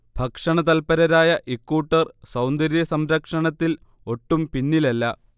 ഭക്ഷണ തല്പരരായ ഇക്കൂട്ടർ സൗന്ദര്യ സംരക്ഷണത്തിൽ ഒട്ടും പിന്നിലല്ല